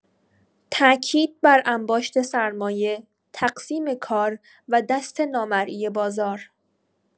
تأکید بر انباشت سرمایه، تقسیم کار و دست نامرئی بازار